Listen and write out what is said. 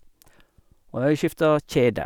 Og jeg skifta kjede.